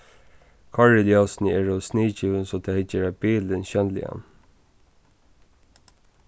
koyriljósini eru sniðgivin so tey gera bilin sjónligan